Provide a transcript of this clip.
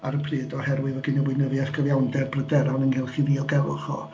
Oherwydd oedd gan y weinyddiaeth gyfiawnder bryderon ynghylch a'i ddiogelwch o.